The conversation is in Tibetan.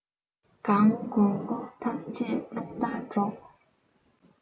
གང གོང གོ ཐམས ཅད རླུང ལྟར སྒྲོག